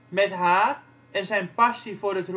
Met haar, en zijn passie voor het